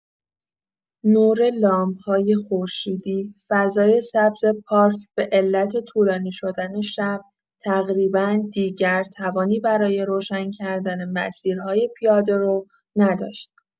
نور لامپ‌های خورشیدی فضای سبز پارک به‌علت طولانی‌شدن شب، تقریبا دیگر توانی برای روشن‌کردن مسیرهای پیاده‌رو نداشت.